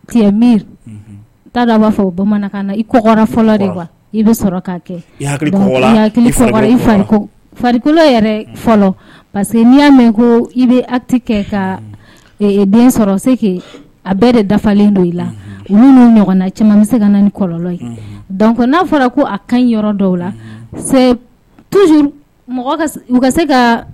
Farikolo fɔlɔ parce que n'i y'a mɛn ko i bɛ kɛ ka den sɔrɔ se a bɛɛ de dafalen don i la nu ɲɔgɔn na cɛman bɛ se ka ni kɔlɔ ye dɔn n'a fɔra ko a kan yɔrɔ dɔw la tu se ka